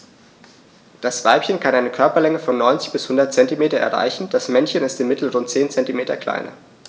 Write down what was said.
Das Weibchen kann eine Körperlänge von 90-100 cm erreichen; das Männchen ist im Mittel rund 10 cm kleiner.